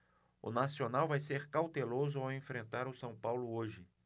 o nacional vai ser cauteloso ao enfrentar o são paulo hoje